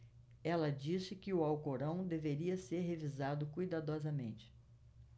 ela disse que o alcorão deveria ser revisado cuidadosamente